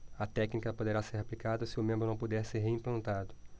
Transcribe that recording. a técnica poderá ser aplicada se o membro não puder ser reimplantado